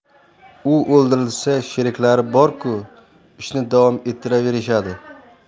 u o'ldirilsa sheriklari bor ku ishni davom ettiraverishadi